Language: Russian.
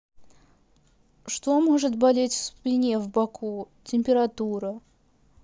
что может болеть в спине в боку температура